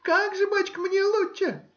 — Как же, бачка, мне лучше.